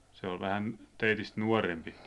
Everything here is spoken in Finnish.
se oli vähän teistä nuorempi